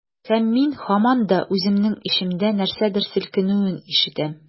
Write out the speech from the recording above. Һәм мин һаман да үземнең эчемдә нәрсәдер селкенүен ишетәм.